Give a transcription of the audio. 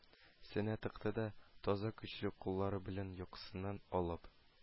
Сенә тыкты да, таза, көчле куллары белән якасыннан алып,